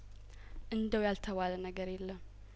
እንደው ያልተባለነገር የለም